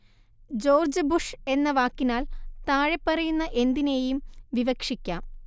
George Bush എന്ന വാക്കിനാൽ താഴെപ്പറയുന്ന എന്തിനേയും വിവക്ഷിക്കാം